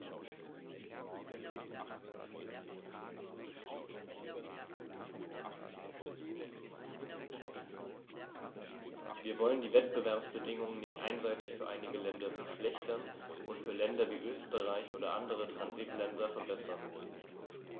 Wir wollen die Wettbewerbsbedingungen nicht einseitig für einige Länder verschlechtern und für Länder wie Österreich oder andere Transitländer verbessern.